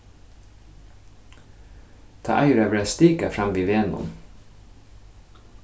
tað eigur at verða stikað fram við vegunum